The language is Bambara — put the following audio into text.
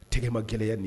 Tɛgɛ ma gɛlɛyaya nin